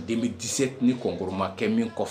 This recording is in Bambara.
2017 ni concours man kɛ min kɔfɛ.